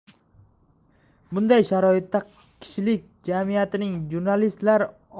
bunday sharoitda kishilik jamiyatining jurnalistlar